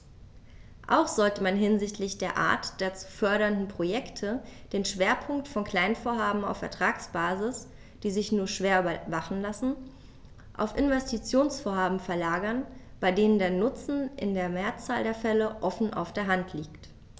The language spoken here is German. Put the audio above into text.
Auch sollte man hinsichtlich der Art der zu fördernden Projekte den Schwerpunkt von Kleinvorhaben auf Ertragsbasis, die sich nur schwer überwachen lassen, auf Investitionsvorhaben verlagern, bei denen der Nutzen in der Mehrzahl der Fälle offen auf der Hand liegt.